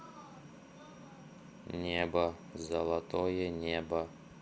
небо золотое небо